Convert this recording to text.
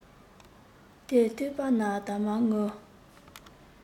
དེས ཐོས པ ན ད མ ངུ